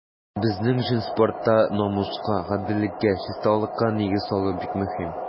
Безнең өчен спортта намуска, гаделлеккә, чисталыкка нигез салу бик мөһим.